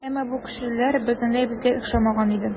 Әмма бу кешеләр бөтенләй безгә охшамаган иде.